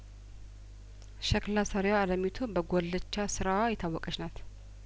ሸክላ ሰሪዋ አለሚቱ በጉልቻ ስራዋ የታወቀች ናት